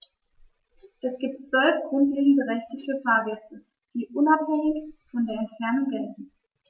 Es gibt 12 grundlegende Rechte für Fahrgäste, die unabhängig von der Entfernung gelten.